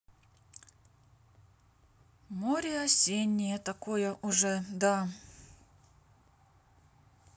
море осеннее такое уже да